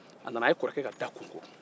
a nana a ye kɔrɔke ka da konko